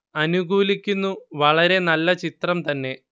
അനുകൂലിക്കുന്നു വളരെ നല്ല ചിത്രം തന്നെ